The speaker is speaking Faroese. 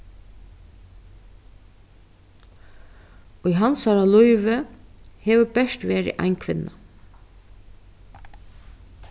í hansara lívi hevur bert verið ein kvinna